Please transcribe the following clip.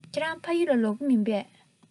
ཁྱེད རང ཕ ཡུལ ལ ལོག གི མིན པས